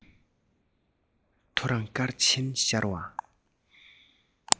ཐོ རངས སྐར ཆེན ཤར བ